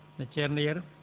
no ceerno Yero